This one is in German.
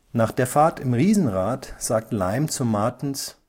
Nach der Fahrt im Riesenrad sagt Lime zu Martins